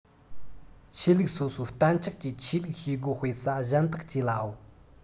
ཆོས ལུགས སོ སོའི གཏན ཆགས ཀྱི ཆོས ལུགས བྱེད སྒོ སྤེལ ས གཞན དག བཅས ལའོ